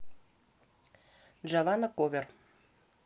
джавана ковер